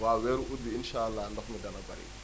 waaw weeru ut bii incha allah ndox mi dana bëri